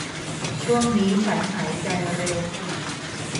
ช่วงนี้ฉันหายใจเร็วถี่